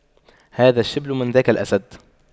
هذا الشبل من ذاك الأسد